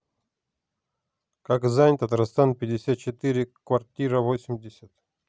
казань татарстан пятьдесят четыре квартира восемнадцать